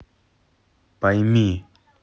пойми